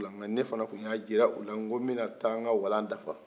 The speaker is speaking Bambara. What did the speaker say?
nga ne fana tun y'a jira u la ko ne bɛna taa n ka falan dafa